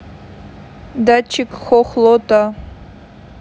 датчик хохлота